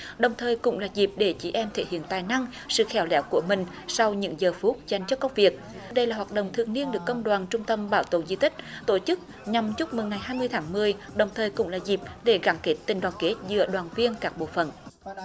đồng thời cũng là dịp để chị em thể hiện tài năng sự khéo léo của mình sau những giờ phút dành cho công việc đây là hoạt động thường niên được công đoàn trung tâm bảo tồn di tích tổ chức nhằm chúc mừng ngày hai mươi tháng mười đồng thời cũng là dịp để gắn kết tình đoàn kết giữa đoàn viên các bộ phận